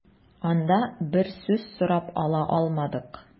Анда без сүз сорап ала алмадык.